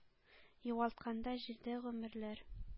Югалтканда җирдә гомерләр,